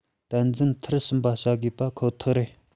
གཅིག དམ འཛིན མཐར ཕྱིན པར བྱ དགོས པ ཁོ ཐག རེད